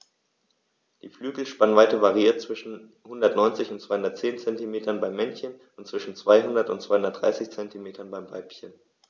Die Flügelspannweite variiert zwischen 190 und 210 cm beim Männchen und zwischen 200 und 230 cm beim Weibchen.